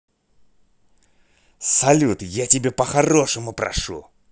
салют я тебе по хорошему прошу